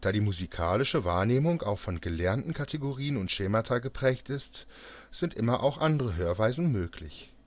die musikalische Wahrnehmung auch von gelernten Kategorien und Schemata geprägt ist, sind immer auch andere Hörweisen möglich